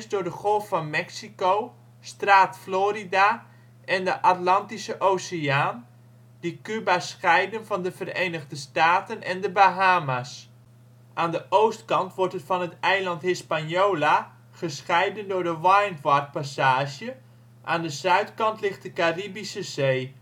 door de Golf van Mexico, Straat Florida en de Atlantische Oceaan, die Cuba scheiden van de Verenigde Staten en de Bahama 's. Aan de oostkant wordt het van het eiland Hispaniola gescheiden door de Windward Passage. Aan de zuidkant ligt de Caribische Zee